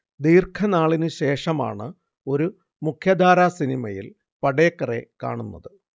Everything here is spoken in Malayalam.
ദീർഘനാളിന്ശേഷമാണ് ഒരു മുഖ്യധാര സിനിമയിൽ പടേക്കറെ കാണുന്നത്